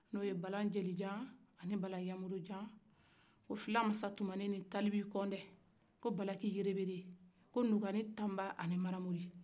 eloges